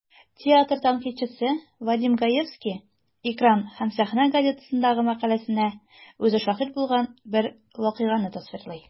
Театр тәнкыйтьчесе Вадим Гаевский "Экран һәм сәхнә" газетасындагы мәкаләсендә үзе шаһит булган бер вакыйганы тасвирлый.